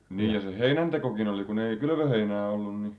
niin ja se heinäntekokin oli kun ei kylvöheinää ollut niin